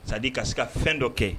c'est à dire ka se ka fɛn dɔ kɛ.